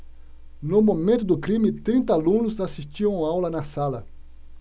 no momento do crime trinta alunos assistiam aula na sala